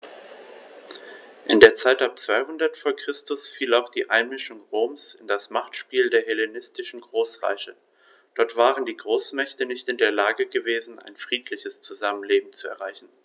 In die Zeit ab 200 v. Chr. fiel auch die Einmischung Roms in das Machtspiel der hellenistischen Großreiche: Dort waren die Großmächte nicht in der Lage gewesen, ein friedliches Zusammenleben zu erreichen.